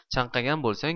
chanqagan bo'lsang